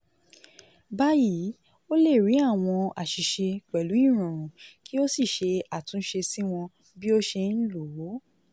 Báyìí, ó lè rí àwọn àṣìṣe pẹ̀lú ìrọ̀rùn kí o sì ṣe àtúnṣe sí wọ́n bí o ṣe ń lò ó.